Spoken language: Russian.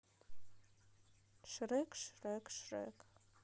шрек шрек шрек